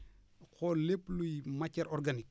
xool lépp luy matière organique